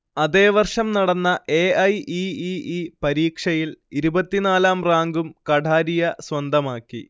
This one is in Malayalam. അതേവർഷം നടന്ന A. I. E. E. E പരീക്ഷയിൽ ഇരുപത്തിനാലാം റാങ്കും കഠാരിയ സ്വന്തമാക്കി